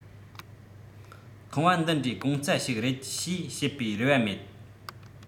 ཁང བ འདི འདྲའི གོང རྩ ཞིག རེད ཞེས བཤད པའི རེ བ མེད